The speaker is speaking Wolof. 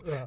waaw